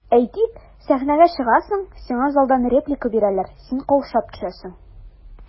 Әйтик, сәхнәгә чыгасың, сиңа залдан реплика бирәләр, син каушап төшәсең.